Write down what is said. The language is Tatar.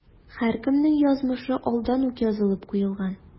Һәркемнең язмышы алдан ук язылып куелган.